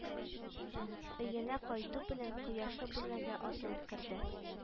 Өенә кайту белән кояшлы бүлмәгә атылып керде